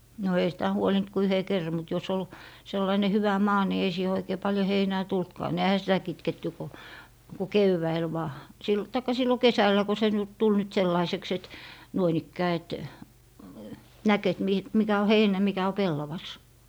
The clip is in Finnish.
no ei sitä huolinut kuin yhden kerran mutta jos oli sellainen hyvä maa niin ei siihen oikein paljon heinää tullutkaan ne eihän sitä kitketty kuin kuin keväällä vain - tai silloin kesällä kun se nyt tuli nyt sellaiseksi että noin ikään että näki että - mikä on heinä mikä on pellavas